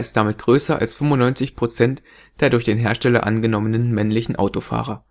damit größer als 95 % der durch den Hersteller angenommenen männlichen Autofahrer